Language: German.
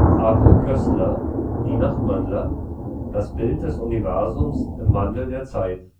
Arthur Koestler: Die Nachtwandler. Das Bild des Universums im Wandel der Zeit